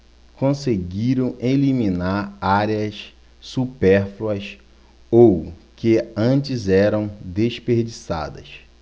conseguiram eliminar áreas supérfluas ou que antes eram desperdiçadas